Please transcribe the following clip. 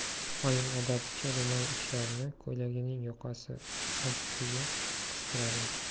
oyim odaticha ro'mol uchlarini ko'ylagining yoqasi ostiga qistirar edi